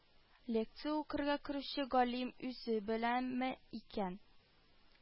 Лекция укырга керүче галим үзе беләме икән